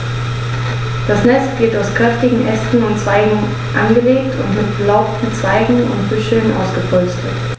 Das Nest wird aus kräftigen Ästen und Zweigen angelegt und mit belaubten Zweigen und Büscheln ausgepolstert.